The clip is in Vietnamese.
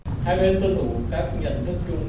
hai bên